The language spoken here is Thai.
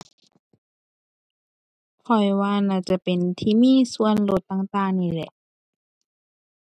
ข้อยว่าน่าจะเป็นที่มีส่วนลดต่างต่างนี่แหละ